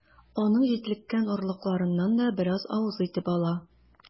Аның җитлеккән орлыкларыннан да бераз авыз итеп ала.